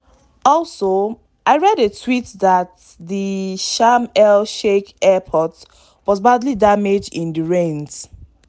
Also I read a tweet that the Sharm El-Sheikh airport was badly damaged in the rains !